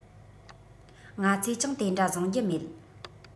ང ཚོས ཀྱང དེ འདྲ བཟང རྒྱུ མེད